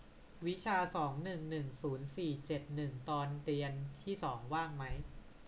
วิชาสองหนึ่งหนึ่งศูนย์สี่เจ็ดหนึ่งตอนเรียนที่สองว่างไหม